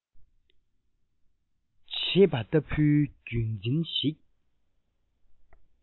འདྲེས པ ལྟ བུའི རྒྱུད འཛིན ཞིག